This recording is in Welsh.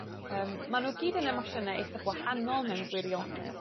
Yym, ma' nw gyd yn emosiyne eitha gwahanol mewn gwirionedd,